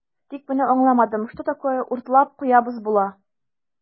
Тик менә аңламадым, что такое "уртлап куябыз" була?